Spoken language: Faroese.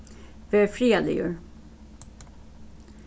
ver friðarligur